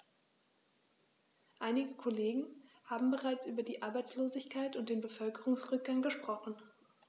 Einige Kollegen haben bereits über die Arbeitslosigkeit und den Bevölkerungsrückgang gesprochen.